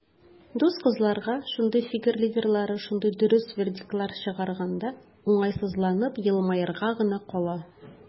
Дус кызларга шундый "фикер лидерлары" шундый дөрес вердиктлар чыгарганда, уңайсызланып елмаерга гына кала.